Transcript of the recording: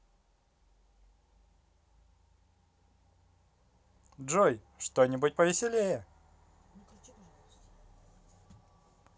джой что нибудь повеселее